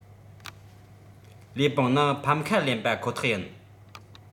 ལིའུ པང ནི ཕམ ཁ ལེན པ ཁོ ཐག ཡིན